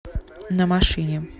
на машине